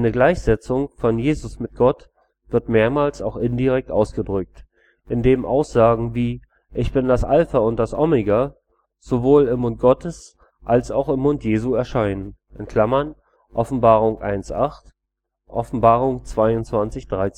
Gleichsetzung von Jesus mit Gott wird mehrmals auch indirekt ausgedrückt, indem Aussagen wie „ Ich bin das Alpha und das Omega “sowohl im Mund Gottes als auch im Mund Jesu erscheinen (Offb 1,8; Offb 22,13